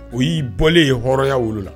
O y'i bɔlen ye hɔrɔnya wolo la